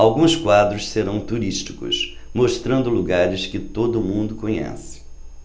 alguns quadros serão turísticos mostrando lugares que todo mundo conhece